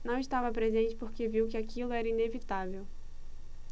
não estava presente porque viu que aquilo era inevitável